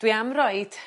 dwi am roid